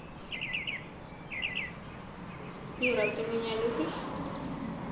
сбер а ты меня любишь